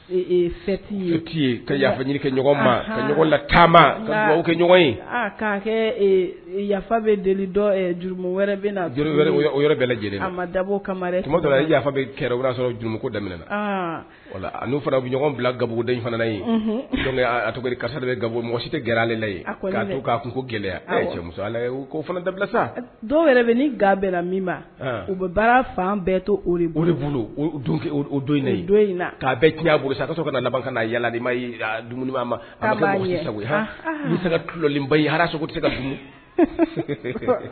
Ee kafe kɛ ma la tan kɛ ye k' kɛ yafafa bɛ deli juru wɛrɛ lajɛlen dabo kamafaa sɔrɔ juruko daɛna fana ɲɔn bila gabuguda in fana de bɛ ga mɔgɔsi tɛ g alela k'a kun ko gɛlɛya cɛ ala ko fana dabila sa dɔw wɛrɛ bɛ ni ga bɛɛla min u bɛ baara fan bɛɛ to de bolo in in'a tiɲɛ'a bolo sa ka ka ka na yalalima dumuni ma se ka kuba ye haraso tɛ se ka